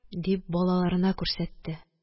Дип, балаларына күрсәтте